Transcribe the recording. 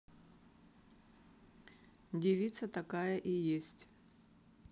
девица такая и есть